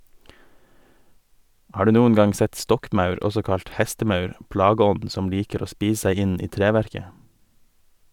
Har du noen gang sett stokkmaur, også kalt hestemaur, plageånden som liker å spise seg inn i treverket?